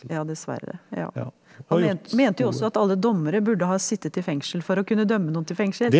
ja dessverre ja han mente jo også at alle dommere burde ha sittet i fengsel for å kunne dømme noen til fengsel.